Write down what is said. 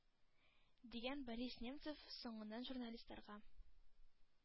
– дигән борис немцов соңыннан журналистларга.